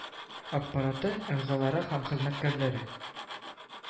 Аппараты әгъзалары һәм хезмәткәрләре